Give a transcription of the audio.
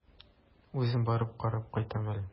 Үзем барып карап кайтам әле.